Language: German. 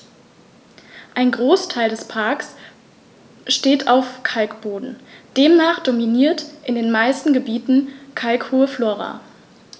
Ein Großteil des Parks steht auf Kalkboden, demnach dominiert in den meisten Gebieten kalkholde Flora.